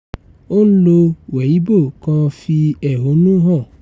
Ònlo Weibo kan fi ẹ̀hónú hàn: